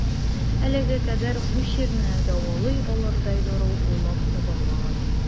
Әлегә кадәр бу чирне дәвалый алырдай дару уйлап табылмаган.